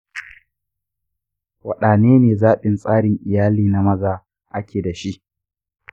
waɗane ne zaɓin tsarin iyali na maza ake dashi?